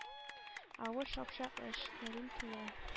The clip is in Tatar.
Авыр, шапшак эш. Кәрим туя.